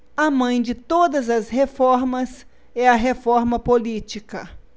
a mãe de todas as reformas é a reforma política